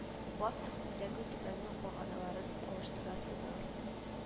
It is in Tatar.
Баз өстендәге түбәнең баганаларын алыштырасы бар